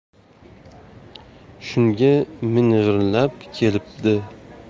shunga ming'irlab kelibdi